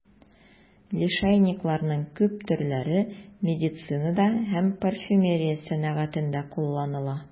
Лишайникларның күп төрләре медицинада һәм парфюмерия сәнәгатендә кулланыла.